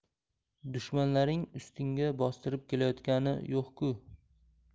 dushmanlaring ustingga bostirib kelayotgani yo'q ku